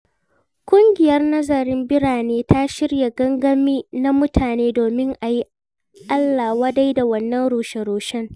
ƙungiyar Nazarin Birane ta shirya gangami na mutane domin a yi alla-wadai da wannan rushe-rushen.